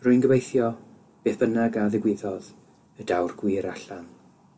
Rwy'n gobeithio beth bynnag a ddigwyddodd y daw'r gwir allan.